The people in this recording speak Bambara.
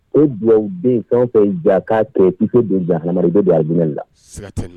O bila den fɛn fɛ ja k'a kɛ ip don janhamari bɛ don ad la